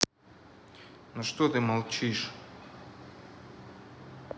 ну что ты молчишь